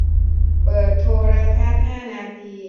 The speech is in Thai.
เปิดโทรทัศน์ห้านาที